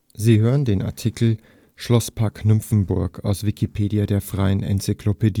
Sie hören den Artikel Schlosspark Nymphenburg, aus Wikipedia, der freien Enzyklopädie